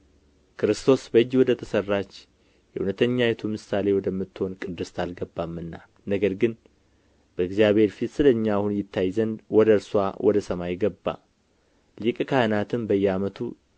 ክርስቶስ በእጅ ወደ ተሰራች የእውነተኛይቱ ምሳሌ ወደ ምትሆን ቅድስት አልገባምና ነገር ግን በእግዚአብሔር ፊት ስለ እኛ አሁን ይታይ ዘንድ ወደ እርስዋ ወደ ሰማይ ገባ ሊቀ ካህናትም በየዓመቱ